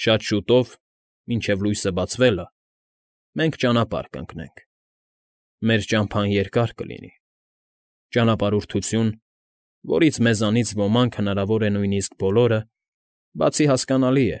Շատ շուտով, մինչև լույսը բացվելը, մենք ճանապարհ կընկնենք, մեր ճամփան երկար կլինի, ճանապարհորություն, որից մեզանից ոմանք, հնարավոր է նույնիսկ բոլորը, բացի, հասկանալի։